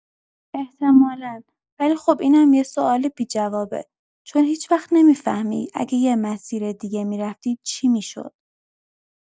احتمالا، ولی خب اینم یه سوال بی‌جوابه، چون هیچ‌وقت نمی‌فهمی اگه یه مسیر دیگه می‌رفتی چی می‌شد.